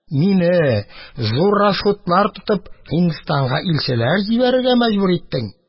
Мине, зур расходлар тотып, Һиндстанга илчеләр җибәрергә мәҗбүр иттең.